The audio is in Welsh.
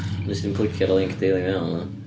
Wnest ti'm clicio ar y linc Daily Mail na?